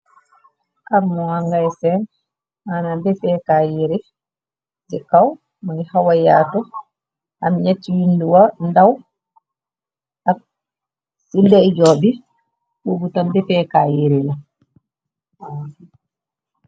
ammoangay seen mana befekaay yéeri ci kaw muy xawayaatu am ñett yundu wa ndaw ak ci ndey joo bi buubutam befeekaay yéeri la